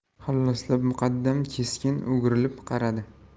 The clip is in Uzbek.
halloslab muqaddam keskin o'girilib qaradi